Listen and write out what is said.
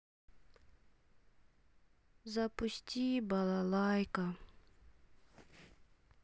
запусти балалайка